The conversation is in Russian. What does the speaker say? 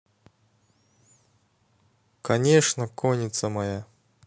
конечно конница моя